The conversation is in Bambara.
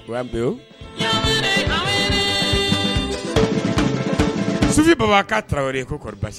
Ko pe suji baba' tarawele ye ko